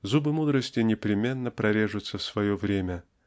Зубы мудрости непременно прорежутся в свое время